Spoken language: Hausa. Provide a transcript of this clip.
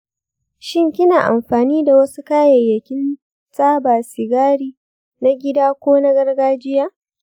shin kina amfani da wasu kayayyakin taba sigari na gida ko na gargajiya?